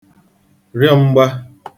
che m̄gbā